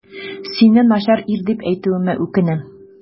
Сине начар ир дип әйтүемә үкенәм.